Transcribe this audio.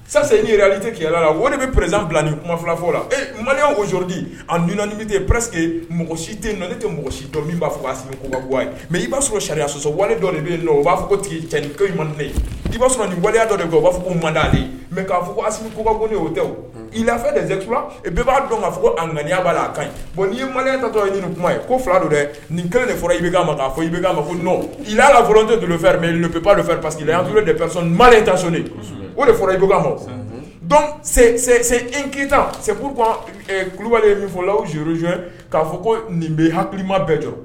Sa' tɛ kɛlɛ la o de bɛ perez bila ni kuma filafɔ la ee maliyaodi a dun p parce queseke mɔgɔ si tɛ nɔn ne tɛ mɔgɔsi dɔ min b'a fɔ ase ko mɛ i b'a sɔrɔ sariyaya sɔsɔ wale dɔ de bɛ yen la o b'a fɔ tigiani ma i b'a sɔrɔ nin waleya dɔ de b' fɔ maale mɛ'a fɔ ase koba o ifɛ bɛɛ b'a dɔn k'a fɔ a ŋaniya' la a kan bɔn maloyatɔ ye ɲini kuma ye ko fila don dɛ nin kelen de ia fɔ bɛ ma nla tɛ don fɛ b'a paseke yan ma ta sɔnnen o de fɔra ika ma keyita kulubali min fɔ la sroz k'a fɔ ko nin bɛ hakilima bɛɛ jɔ